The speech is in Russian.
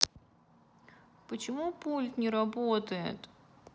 почему пульт не работает